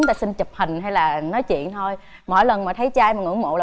xin chụp hình hay là nói chuyện thôi mỗi lần mà thấy trai mà ngưỡng mộ